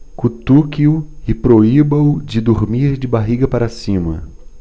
cutuque-o e proíba-o de dormir de barriga para cima